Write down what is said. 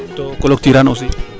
to cloture aan aussi